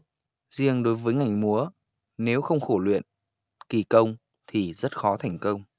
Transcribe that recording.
riêng đối với ngành múa nếu không khổ luyện kỳ công thì rất khó thành công